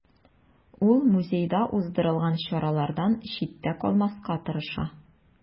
Ул музейда уздырылган чаралардан читтә калмаска тырыша.